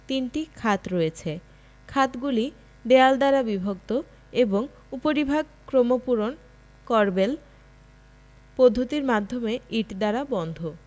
তিনটি খাত রয়েছে খাতগুলি দেয়াল দ্বারা বিভক্ত এবং উপরিভাগ ক্রমপূরণ করবেল পদ্ধতির মাধ্যমে ইট দ্বারা বন্ধ